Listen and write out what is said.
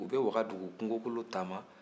u bɛ wagadugu kungokolo taama